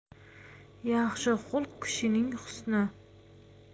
yaxshi xulq kishining husni